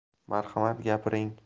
marhamat gapiring